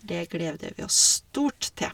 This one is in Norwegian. Det gleder vi oss stort til.